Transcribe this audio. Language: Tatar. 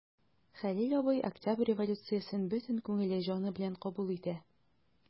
Хәлил абый Октябрь революциясен бөтен күңеле, җаны белән кабул итә.